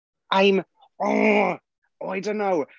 I'm... Ugh, I don't know.